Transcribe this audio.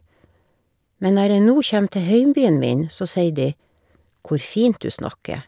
Men når jeg nu kjem til heimbyen min, så sier de Hvor fint du snakker.